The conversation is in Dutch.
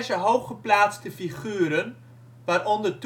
hooggeplaatste figuren, waaronder